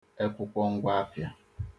ekwụkwọ ngwaafịa